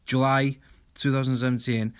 July two thousand and seventeen.